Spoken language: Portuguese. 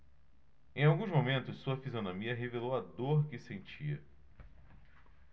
em alguns momentos sua fisionomia revelou a dor que sentia